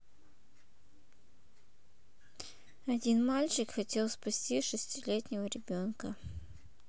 один мальчик хотел спасти шестилетнего ребенка